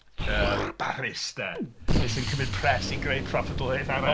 ..Yym, yy barus 'de, sy'n cymryd pres i greu proffwydoliaeth arall.